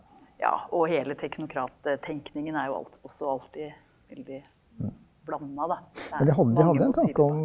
ja og hele teknokrattenkningen er jo også alltid veldig blanda da, det er mange motiver.